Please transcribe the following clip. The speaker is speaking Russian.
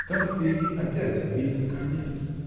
там впереди опять виден конец.